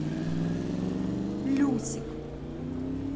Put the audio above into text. люсик